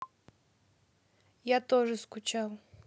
я тоже скучал